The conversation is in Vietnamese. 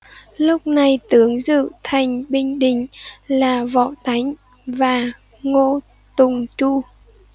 lúc này tướng giữ thành binh định là võ tánh và ngô tùng chu